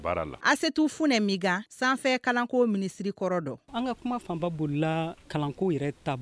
Kosirikɔrɔ an ka kuma fanba bolila kalanko yɛrɛ ta